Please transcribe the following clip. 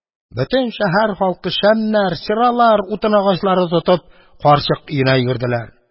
Бөтен шәһәр халкы, шәмнәр, чыралар, утын агачлары тотып, карчык өенә йөгерде.